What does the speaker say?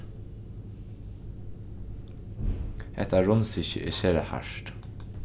hetta rundstykkið er sera hart